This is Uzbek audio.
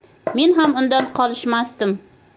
men ham undan qolishmasdim